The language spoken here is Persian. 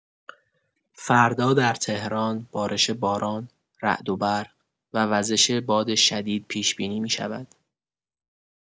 فردا در تهران بارش باران، رعدوبرق و وزش باد شدید پیش‌بینی می‌شود.